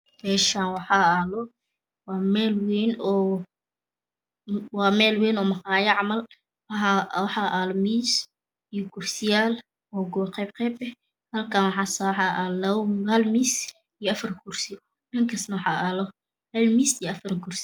Meshaan waxaa yalo waa meel ween oo maqaaya cml waxaa yalo miis iyo kursiyaal oo oo qeeb qeeb ah halkaan waxaa yala lapo miis iyo afar kirsi dhankaas waxaa yalo hal miis iyo afar kursi